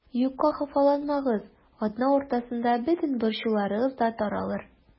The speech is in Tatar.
Юкка хафаланмагыз, атна уртасында бөтен борчуларыгыз да таралыр.